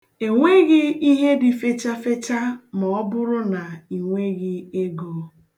E nweghị ihe dị fechafecha ma ọ bụrụ na i nweghị ego.